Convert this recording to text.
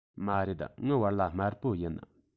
མ རེད ངའི བལ ལྭ དམར པོ ཡིན